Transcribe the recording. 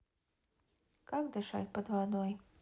как дышать под водой